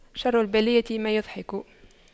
شر البلية ما يضحك